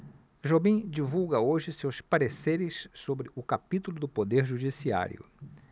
jobim divulga hoje seus pareceres sobre o capítulo do poder judiciário